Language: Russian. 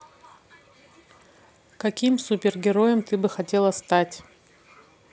каким супергероем ты бы хотела стать